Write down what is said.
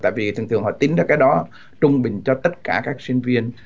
tại vì thường thường họ tính được cái đó trung bình cho tất cả các sinh viên